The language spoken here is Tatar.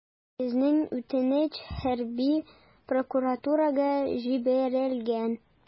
Безнең үтенеч хәрби прокуратурага җибәрелгән.